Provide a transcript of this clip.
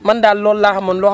man daal loolu laa xamoon loo